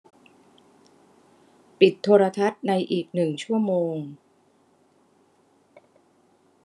ปิดโทรทัศน์ในอีกหนึ่งชั่วโมง